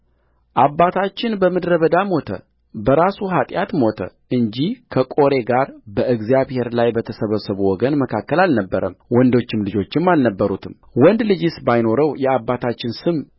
አባታችን በምድረ በዳ ሞተ በራሱ ኃጢአት ሞተ እንጂ ከቆሬ ጋር በእግዚአብሔር ላይ በተሰበሰቡ ወገን መካከል አልነበረም ወንዶችም ልጆች አልነበሩትምወንድ ልጅስ ባይኖረው የአባታችን ስም